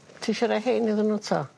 Ti isio roi hein iddyn n'w 'to?